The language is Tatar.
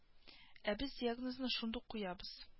Ә без диагнозны шундук куябыз